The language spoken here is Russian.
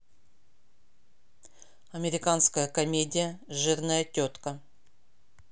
американская комедия жирная тетка